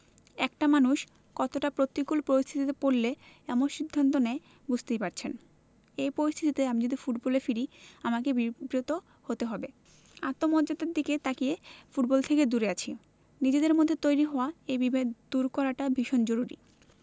একটা মানুষ কতটা প্রতিকূল পরিস্থিতিতে পড়লে এমন সিদ্ধান্ত নেয় বুঝতেই পারছেন এই পরিস্থিতিতে আমি যদি ফুটবলে ফিরি আমাকে বিব্রত হতে হবে আত্মমর্যাদার দিকে তাকিয়ে ফুটবল থেকে দূরে আছি নিজেদের মধ্যে তৈরি হওয়া এই বিভেদ দূর করাটা ভীষণ জরুরি